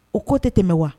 O ko tɛ tɛmɛ wa?